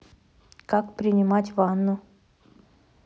как принимать ванну